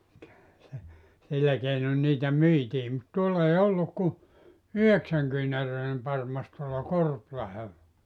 kyllähän se sillä keinoin niitä myytiin mutta tuolla ei ollut kuin yhdeksänkyynäräinen parmas tuolla Korpilahdella